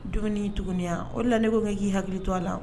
Dumuni tuguni a o de la ne ko ŋ'e k'i hakili to a la o